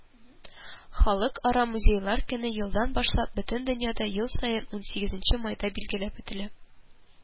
“халыкара музейлар көне елдан башлап бөтен дөньяда ел саен 18 майда билгеләп үтелә